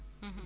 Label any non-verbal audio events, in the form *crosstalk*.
*hesitation* *hesitation*